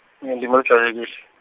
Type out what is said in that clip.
olujwayelekile.